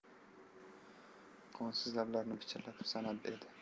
qonsiz lablarini pichirlatib sanar edi